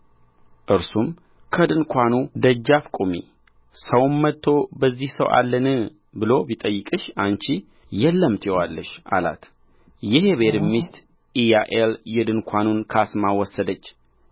ከድንኳኑ ደጃፍ ቁሚ ሰውም መጥቶ በዚህ ሰው አለን ብሎ ቢጠይቅሽ አንቺ የለም ትዪዋለሽ አላት የሔቤርም ሚስት ኢያዔል የድንኳን ካስማ ወሰደች